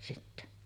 sitten